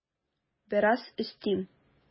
Бераз өстим.